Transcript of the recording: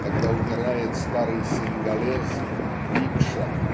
Когда умирает старый сингалез рикша